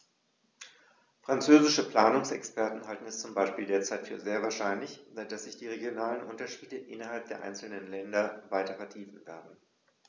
Französische Planungsexperten halten es zum Beispiel derzeit für sehr wahrscheinlich, dass sich die regionalen Unterschiede innerhalb der einzelnen Länder weiter vertiefen werden.